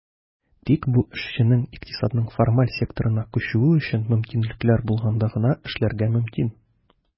Тик бу эшченең икътисадның формаль секторына күчүе өчен мөмкинлекләр булганда гына эшләргә мөмкин.